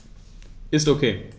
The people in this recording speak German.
Ist OK.